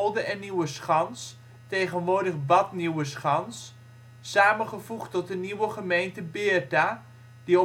en Nieuweschans (tegenwoordig Bad Nieuweschans) samengevoegd tot de nieuwe gemeente Beerta, die